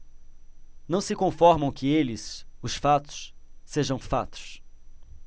não se conformam que eles os fatos sejam fatos